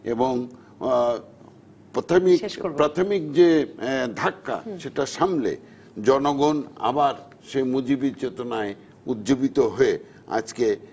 এবং প্রাথমিক প্রাথমিক যে শেষ করব ধাক্কা জনগণ আবার শেখ মুজিবের চেতনায় উজ্জীবিত হয়ে আজকে